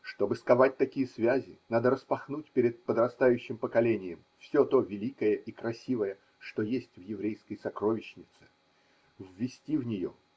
Чтобы сковать такие связи, надо распахнуть перед подрастающим поколением все то великое и красивое, что есть в еврейской сокровищнице, ввести в нее.